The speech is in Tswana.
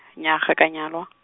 nya ga ka nyalwa.